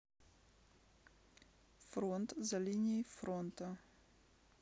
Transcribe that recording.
фронт за линией фронта